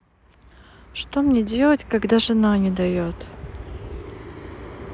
что мне делать когда жена не дает